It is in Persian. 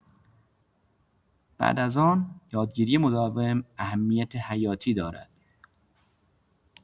بعد از آن، یادگیری مداوم اهمیت حیاتی دارد.